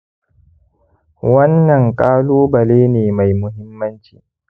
wannan kalubale ne mai muhimmanci.